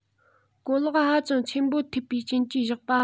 གོ ལོག ཧ ཅང ཆེན པོ ཐེབས པའི རྐྱེན གྱིས བཞག པ